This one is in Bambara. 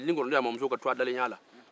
ngilinin ngɔlɔlɔ y'a mɔmuso ka tɔgɔ dalen y'a la